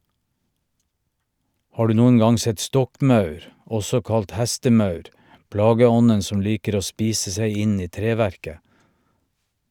Har du noen gang sett stokkmaur, også kalt hestemaur, plageånden som liker å spise seg inn i treverket?